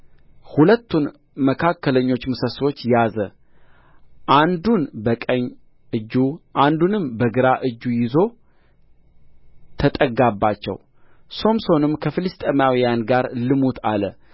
ሁለቱን መካከለኞች ምሰሶች ያዘ አንዱን በቀኝ እጁ አንዱንም በግራ እጁ ይዞ ተጠጋባቸው ሶምሶንም ከፍልስጥኤማውያን ጋር ልሙት አለ